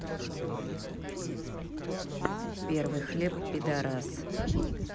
первый хлеб пидарас